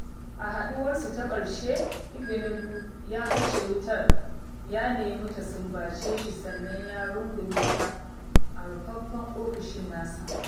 A haɗuwarsu ta ƙarshe, Igbenegbu ya kashe wutar, ya nemi ta sumbace shi sannan ya rungume ta a rufaffen ofishin nasa.